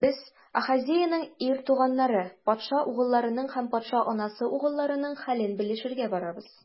Без - Ахазеянең ир туганнары, патша угылларының һәм патша анасы угылларының хәлен белешергә барабыз.